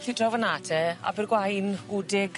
'Lly draw fan 'na te Abergwaun Gwdig.